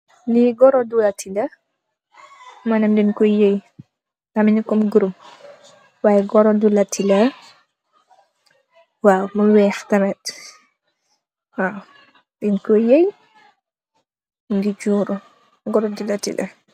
li goro du latila mënam din koy yëy taminkom grom waye goro du latila wa mu weex tamet din koy yey mu ngi juuru goro dulatila.